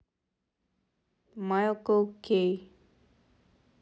майкл кей